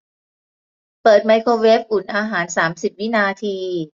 เปิดไมโครเวฟอุ่นอาหารสามสิบวินาที